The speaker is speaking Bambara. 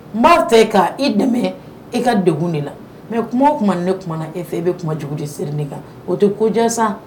N'a fɛ e ka i dɛmɛ e ka degkun de la mɛ kuma tuma ne kuma na e fɛ e bɛ kuma jugudi siri ne kan o tɛ kojansan